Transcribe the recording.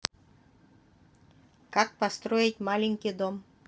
как построить маленький дом